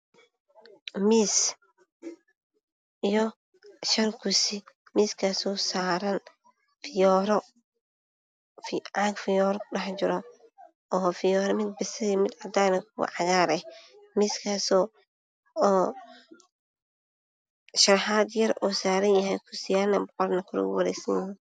Waa miis iyo shan kursi. Miiska waxaa saaran caag fiyoore kudhex jiro fiyoore mid basali, cadaan, mid cagaar ah.